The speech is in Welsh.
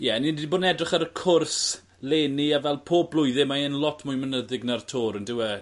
Ie ni 'di bod yn edrych ar y cwrs leni a fel pob blwyddyn mae e'n lot mwy mynyddig na'r Tour on'd yw e...